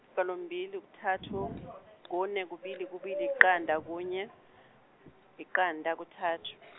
kunombili kuthatu, kune kubili kubili yiqanda kunye, yiqanda kuthatu.